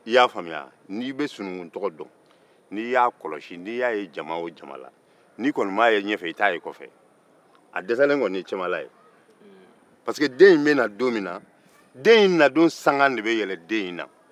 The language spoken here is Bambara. i y'a faamuya wa n'i bɛ sununkun tɔgɔ dɔn n'i y'a kɔlɔsi n'i y'a ye jama o jama la n'i kɔni m'a ye ɲɛfɛ i t'a ye kɔfɛ a dɛsɛlen kɔni ye cɛmala ye pariseke den in bɛna don min na den in nadon sanga de bɛ yɛlɛn den in na